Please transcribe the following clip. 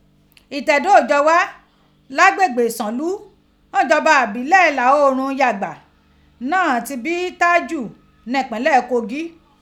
Itedo Ijogha ni Agbegbe Isanlu, ni ijọba ibilẹ Ila oorun Yagba na ti bi Tájù nipinlẹ Kogi.